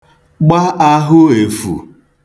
gba āhụ̄ èfù